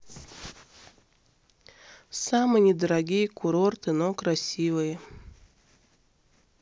самые недорогие курорты но красивые